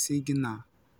sịgịna.